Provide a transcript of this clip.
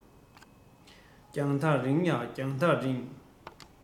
རྒྱང ཐག རིང ཡ རྒྱང ཐག རིང